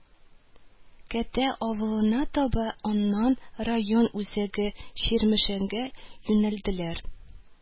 Кәтә авылына таба, аннан район үзәге чирмешәнгә юнәлделәр